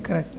CREC